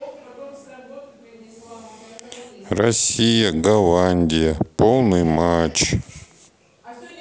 россия голландия полный матч